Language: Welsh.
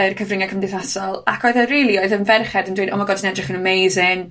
yr cyfrynge cymdeithasol, ac oedd e rili oedd e'n ferched yn dweud oh my God ti'n edrych yn amazing